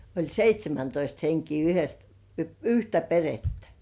oli seitsemäntoista henkeä - yhtä perhettä